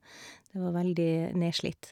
Det var veldig nedslitt.